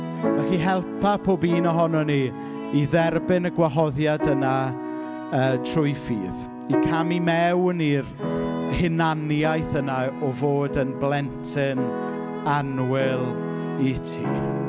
Felly helpa pob un ohono ni i dderbyn y gwahoddiad yna yy trwy ffydd. I camu mewn i'r hunaniaeth yna o fod yn blentyn annwyl i ti.